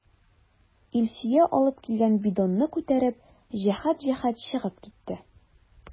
Илсөя алып килгән бидонны күтәреп, җәһәт-җәһәт чыгып китте.